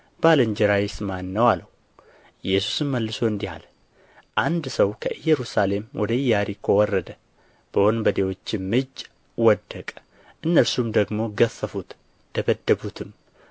ባልንጀራዬስ ማን ነው አለው ኢየሱስም መልሶ እንዲህ አለ አንድ ሰው ከኢየሩሳሌም ወደ ኢያሪኮ ወረደ በወንበዴዎችም እጅ ወደቀ እነርሱም ደግሞ ገፈፉት ደበደቡትም